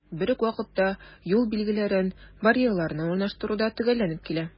Бер үк вакытта, юл билгеләрен, барьерларны урнаштыру да төгәлләнеп килә.